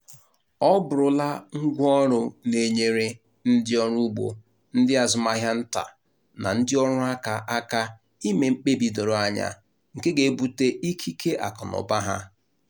Ọ bụrụla ngwaọrụ na-enyere, ndị ọrụugbo, ndị azụmahịa nta na ndị ọrụaka aka ime mkpebi doro anya, nke ga-ebute ikike akụnaụba ha.